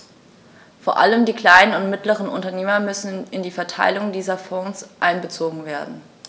Vor allem die kleinen und mittleren Unternehmer müssen in die Verteilung dieser Fonds einbezogen werden.